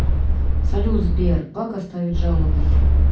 салют сбер как оставить жалобу